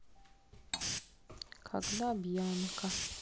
когда бьянка